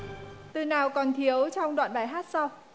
từ nào còn thiếu trong đoạn bài hát sau